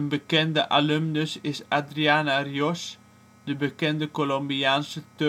bekende alumnus is Adriana Rios, de bekende Colombiaanse